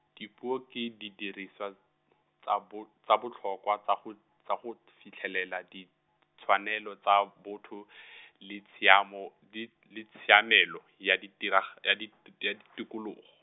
dipuo ke didiriswa, tsa bo-, tsa botlhokwa tsa go, tsa go fitlhelela ditshwanelo tsa botho , le tshiamo, di le tshiamelo ya ditirag- ya dit- t- ya ditikologo.